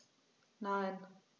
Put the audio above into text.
Nein.